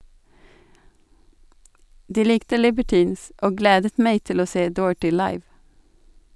De likte Libertines, og gledet meg til å se Doherty live.